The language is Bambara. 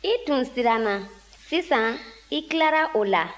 i tun siranna sisan i tilara o la